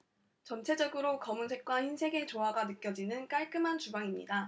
전체적으로 검은색과 흰색의 조화가 느껴지는 깔끔한 주방입니다